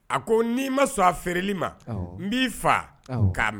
A ko n'i ma sɔn a feereli ma n b'i faa k'a mɛn